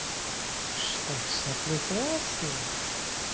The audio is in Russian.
что все прекрасно